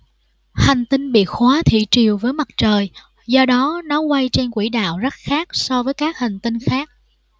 hành tinh bị khóa thủy triều với mặt trời do đó nó quay trên quỹ đạo rất khác so với các hành tinh khác